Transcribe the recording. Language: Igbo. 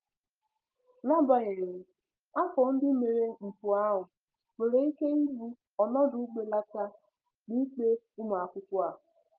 N'agbanyeghị, afọ ndị mere mpụ ahụ nwere ike ịbụ "ọnọdụ mbelata" n'ikpe ụmụakwụkwọ a.